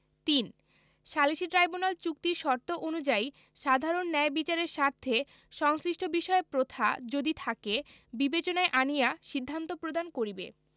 ৩ সালিসী ট্রাইব্যুনাল চুক্তির শর্ত অনুযায়ী সাধারণ ন্যায় বিচারের স্বার্থে সংশ্লিষ্ট বিষয়ে প্রথা যদি থাকে বিবেচনায় আনিয়া সিদ্ধান্ত প্রদান করিবে